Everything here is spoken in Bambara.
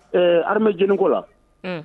Ɛɛ armée , Guinée b'o la. Un!